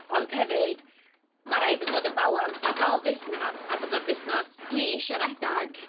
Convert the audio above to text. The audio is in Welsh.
Ond hefyd , ma' raid iddo fod yn balans bod 'na dal fusnes, a bod o'r busnes dwi isio redeg.